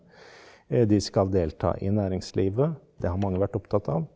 de skal delta i næringslivet det har mange vært opptatt.